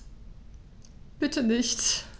Bitte nicht.